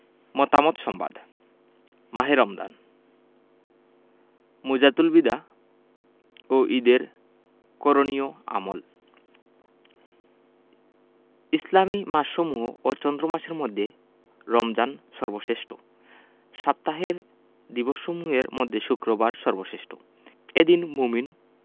মতামত সংবাদ মাহে রমদান মুজাতুল বিদা ও ঈদের করণীয় আমল ইসলামি মাসসমূহ ও চন্দ্রমাসের মধ্যে রমজান সর্বশেষ্ঠ সপ্তাহের দিবসসমূহের মধ্যে শুক্রবার সর্বশেষ্ঠ এদিন মোমিন